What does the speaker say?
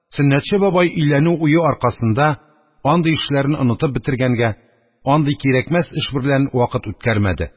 Сөннәтче бабай өйләнү уе аркасында андый эшләрне онытып бетергәнгә, андый кирәкмәс эш берлән вакыт үткәрмәде